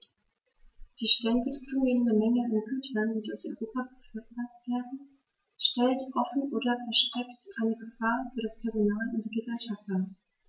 Die ständig zunehmende Menge an Gütern, die durch Europa befördert werden, stellt offen oder versteckt eine Gefahr für das Personal und die Gesellschaft dar.